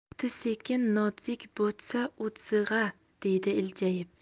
tsekin nodzik bo'tsa o'dziga deydi iljayib